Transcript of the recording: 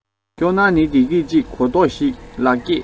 སྐྱོ སྣང ནི བདེ སྐྱིད ཅིག གོ རྟོགས ཤིག ལག སྐྱེས